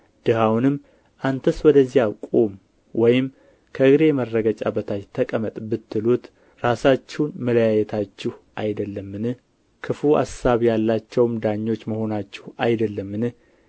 ድሀውንም አንተስ ወደዚያ ቁም ወይም ከእግሬ መረገጫ በታች ተቀመጥ ብትሉት ራሳችሁን መለያየታችሁ አይደለምን ክፉ አሳብ ያላቸውም ዳኞች መሆናችሁ አይደለምን